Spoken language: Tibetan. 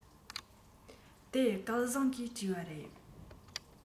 དེ སྐལ བཟང གིས བྲིས པ རེད